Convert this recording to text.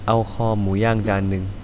เอาคอหมูย่างจานหนึ่ง